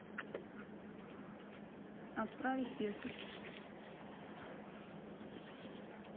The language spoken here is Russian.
отправить весточку